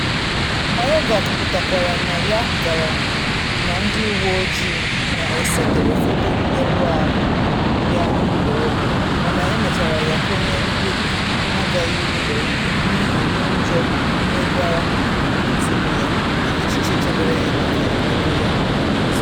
Mayorga kwuputakwara na ya gara na ndị uwe ojii na esetere foto mmerụ ahụ ya n’ụlọ ọgwụ, mana emechara ya kwenye ikpebi n’agaghị ụlọ ikpe n’ihi “n’ujo mmegwara tụrụ ya” na “echiche chebere ya maka imebọ ya n’ọhaeze.”